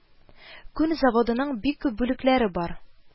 Күн заводының бик күп бүлекләре бар